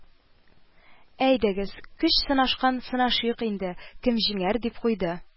Әйдәгез, көч сынашкач сынашыйк инде, кем җиңәр, дип куйды